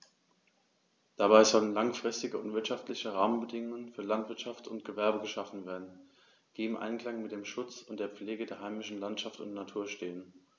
Dabei sollen langfristige und wirtschaftliche Rahmenbedingungen für Landwirtschaft und Gewerbe geschaffen werden, die im Einklang mit dem Schutz und der Pflege der heimischen Landschaft und Natur stehen.